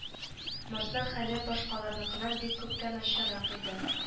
Марсның хәле башкаларныкыннан бик күпкә начаррак иде